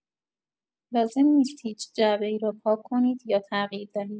لازم نیست هیچ جعبه‌ای را پاک کنید یا تغییر دهید.